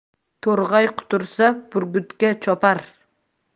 to'rg'ay qutursa burgutga chopar